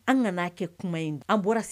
An nana'a kɛ kuma in an bɔra sisan